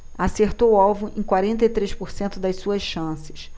acertou o alvo em quarenta e três por cento das suas chances